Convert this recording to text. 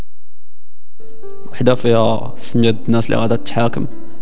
وحده قياس